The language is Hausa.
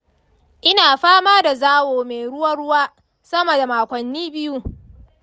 ina fama da zawo mai ruwa-ruwa sama da makonni biyu.